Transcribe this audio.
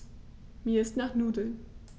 Mir ist nach Nudeln.